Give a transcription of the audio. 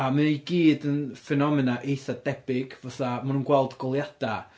a mae o i gyd yn ffenomena eitha debyg, fatha maen nhw'n gweld goleuadau.